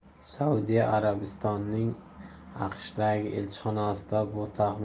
saudiya arabistonining aqshdagi elchixonasi